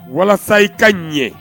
Walasa i ka ɲi ɲɛ